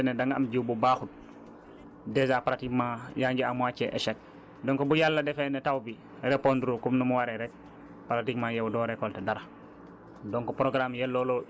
donc si bu fekkante ne danga am jiwu bu baaxul dèjà pratiquement yaa ngi à moitié echec donc bu Yàlla defee ne taw bi repondurul comme ni mu waree rekk pratiquement yow doo récolter dara